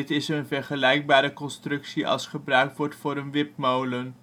is een vergelijkbare constructie als gebruikt wordt voor een wipmolen